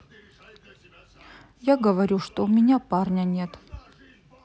я говорю что у меня парня нет